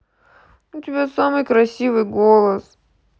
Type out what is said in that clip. у тебя самый красивый голос